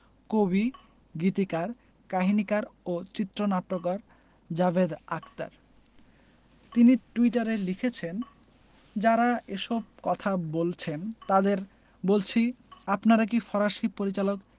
কবি গীতিকার কাহিনিকার ও চিত্রনাট্যকার জাভেদ আখতার তিনি টুইটারে লিখেছেন যাঁরা এসব কথা বলছেন তাঁদের বলছি আপনারা কি ফরাসি পরিচালক